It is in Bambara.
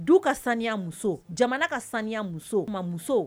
Du ka sanya muso jamana ka sanya muso u ma muso